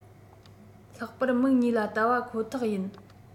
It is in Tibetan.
ལྷག པར མིག གཉིས ལ བལྟ བ ཁོ ཐག ཡིན